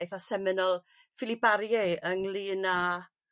eitha semenol Philipe Barier ynglŷn â